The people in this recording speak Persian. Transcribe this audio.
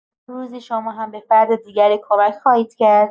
روزی شما هم به فرد دیگری کمک خواهید کرد.